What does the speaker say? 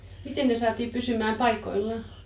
Miten ne saatiin pysymään paikoillaan